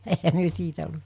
eihän me siitä